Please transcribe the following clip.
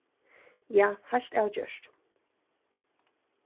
ja heilt avgjørt